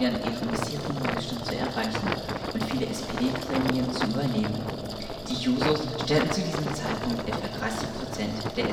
ihren bisherigen Höchststand zu erreichen und viele SPD-Gremien zu " übernehmen ". Die Jusos stellten zu diesem Zeitpunkt etwa 30% der